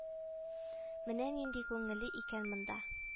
Менә нинди күңелле икән монда